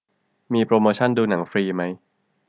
มีโปรโมชันดูหนังฟรีมั้ย